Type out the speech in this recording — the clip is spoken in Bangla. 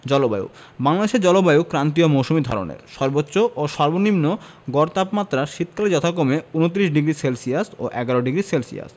জলবায়ুঃ বাংলাদেশের জলবায়ু ক্রান্তীয় মৌসুমি ধরনের সর্বোচ্চ ও সর্বনিম্ন গড় তাপমাত্রা শীতকালে যথাক্রমে ২৯ ডিগ্রি সেলসিয়াস ও ১১ডিগ্রি সেলসিয়াস